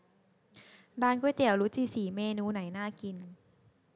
ร้านก๋วยเตี๋ยวรุจิศรีเมนูไหนน่ากิน